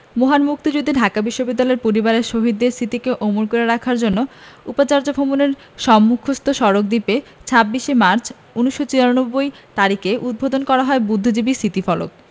মহান মুক্তিযুদ্ধে ঢাকা বিশ্ববিদ্যালয় পরিবারের শহীদদের স্মৃতিকে অমর করে রাখার জন্য উপাচার্য ভবনের সম্মুখস্থ সড়ক দ্বীপে ২৬ মার্চ ১৯৯৪ তারিখে উদ্বোধন করা হয় বুদ্ধজীবী স্মৃতিফলক